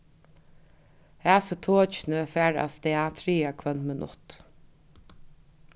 hasi tokini fara avstað triðja hvønn minutt